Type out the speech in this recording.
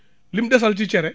lim desal ci cere